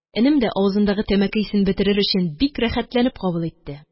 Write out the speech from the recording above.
Энем дә, авызындагы тәмәке исен бетерер өчен, бик рәхәтләнеп кабул итте